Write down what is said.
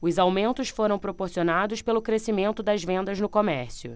os aumentos foram proporcionados pelo crescimento das vendas no comércio